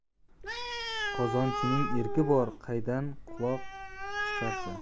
qozonchining erki bor qaydan quloq chiqarsa